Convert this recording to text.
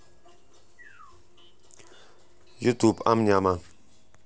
ютуб ам няма